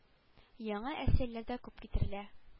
Яңа әсирләр дә күп китерелә